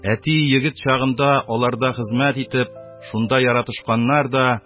Әти егет чагында аларда хезмәт итеп, шунда яратышканнар да